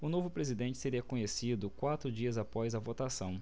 o novo presidente seria conhecido quatro dias após a votação